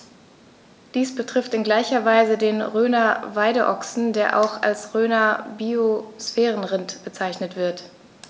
Dies betrifft in gleicher Weise den Rhöner Weideochsen, der auch als Rhöner Biosphärenrind bezeichnet wird.